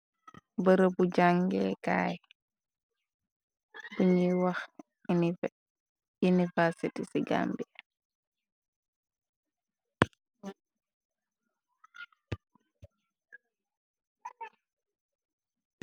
Berebu jàngeekaay biñuy wax university ci gambia.